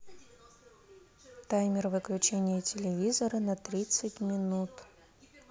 таймер выключения телевизора на тридцать минут